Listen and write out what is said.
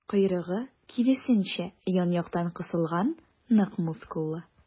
Койрыгы, киресенчә, ян-яктан кысылган, нык мускуллы.